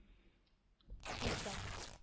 Уздым